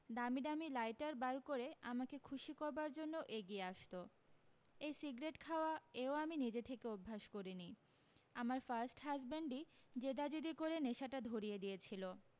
দামী দামী লাইটার বার করে আমাকে খুশি করবার জন্য এগিয়ে আসতো এই সিগ্রেট খাওয়া এও আমি নিজে থেকে অভ্যাস করিনি আমার ফার্স্ট হাজবেন্ডি জেদাজেদি করে নেশাটা ধরিয়ে দিয়েছিলো